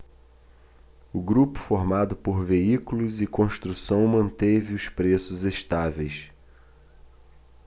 o grupo formado por veículos e construção manteve os preços estáveis